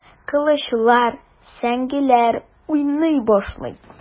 Кылычлар, сөңгеләр уйный башлый.